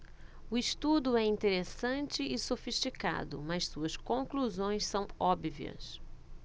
o estudo é interessante e sofisticado mas suas conclusões são óbvias